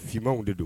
Fimanw de don